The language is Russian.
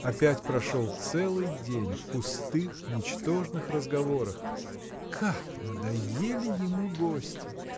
Опять прошел целый день в пустых, ничтожных разговорах. Как надоели ему гости!